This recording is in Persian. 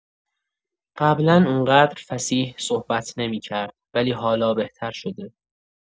قبلا اونقدر فصیح صحبت نمی‌کرد، ولی حالا بهتر شده.